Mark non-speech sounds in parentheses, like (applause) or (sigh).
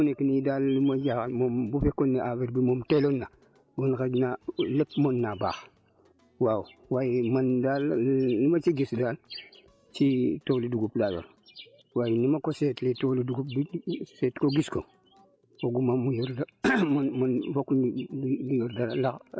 waaye fi mu nekk nii daal li ma jaaxal moom bu fekkoon ne affaire bi moom teeloon na bon xëy na lépp mën naa baax waaw waaye man daal li ma si gis daal ci tool yu dugub laa yor waaye ni ma ko seetee toolu dugub bi seet ko gis ko fooguma mu yor da (coughs) man man bokkuñu mu mu yor dara